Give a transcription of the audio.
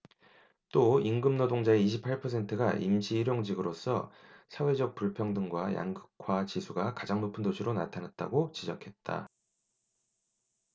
또 임금노동자의 이십 팔 퍼센트가 임시 일용직으로서 사회적 불평등과 양극화 지수가 가장 높은 도시로 나타났다 고 지적했다